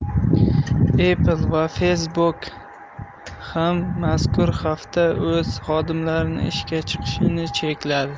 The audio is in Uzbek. apple va facebook ham mazkur hafta o'z xodimlarining ishga chiqishini chekladi